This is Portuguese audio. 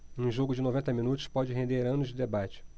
um jogo de noventa minutos pode render anos de debate